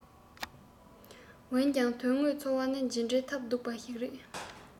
འོན ཀྱང དོན དངོས འཚོ བ ནི ཇི འདྲའི ཐབས སྡུག པ ཞིག རེད